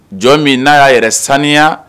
Jɔn min na ya yɛrɛ saniya.